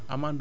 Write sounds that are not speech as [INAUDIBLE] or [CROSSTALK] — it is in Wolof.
[HESITATION] [HESITATION]